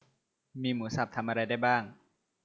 มีหมูสับทำอะไรได้บ้าง